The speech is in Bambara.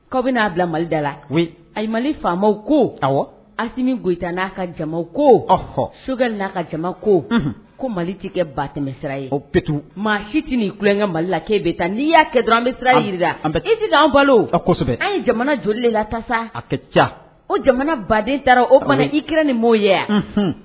Aw bɛna n'a bila malida la a mali faama ko aw ami gtan n'a ka jama ko ahɔ sokɛ n'a ka jama ko ko mali tɛ kɛ batɛsira ye o petu maa sit ni kukɛ mali lakɛ bɛ taa n'i y'a kɛ dɔrɔn an bɛra jirila an bɛ idid an balo kosɛbɛ an ye jamana joli de la taa sa a ka ca o jamana baden taara o fana ikra ni maaw ye yan